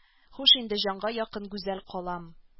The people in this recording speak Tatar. Хуш инде җанга якын гүзәл калам